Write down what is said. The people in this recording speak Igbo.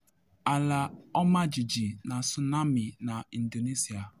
Ala ọmajiji na tsunami na Indonesia